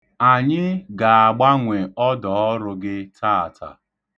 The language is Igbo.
Anyị ga-agbanwe ọdọọrụ gị taata.